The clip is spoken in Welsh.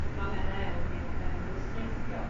ma' Menna Elfyn yn ei bwysleisio.